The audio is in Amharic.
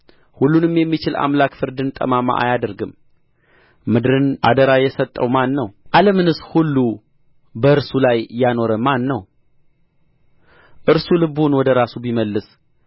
ሁሉንም የሚችል አምላክ ፍርድን ጠማማ አያደርግም ምድርን አደራ የሰጠው ማን ነው ዓለምንስ ሁሉ በእርሱ ላይ ያኖረ ማን ነው እርሱ ልቡን ወደ ራሱ ቢመልስ